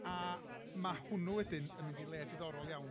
A ma' hwnnw wedyn yn mynd i le diddorol iawn,